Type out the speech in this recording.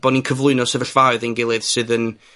bo' ni'n cyflwyno sefyllfaoedd i'n gilydd sydd yn